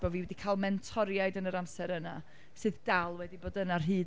bo fi wedi cael mentoriaid yn yr amser yna, sydd dal wedi bod yna ar hyd...